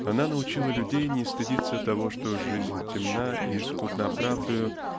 Она научила людей не стыдиться того что жизнь темна и скудна правдою